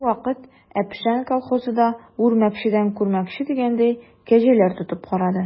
Бервакыт «Әпшән» колхозы да, үрмәкчедән күрмәкче дигәндәй, кәҗәләр тотып карады.